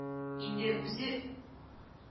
Инде үзе